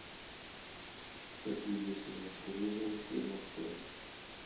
какие есть монастыри женские в москве